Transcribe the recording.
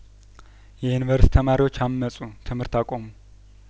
የዩኒቨርስቲ ተማሪዎች አመጹ ትምህርት አቆሙ